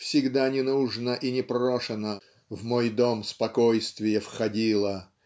Всегда ненужно и непрошено В мой дом спокойствие входило